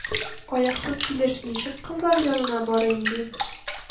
Аяксыз килеш ничек кызлар янына барыйм, ди?